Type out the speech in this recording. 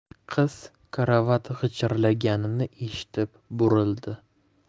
qiz karavot g'irchillaganini eshitib burildi